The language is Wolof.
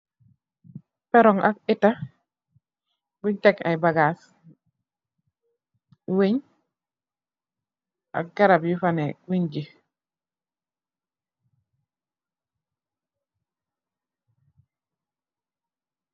Perrong ak aitta young tek aye bagas winge ak aye garrap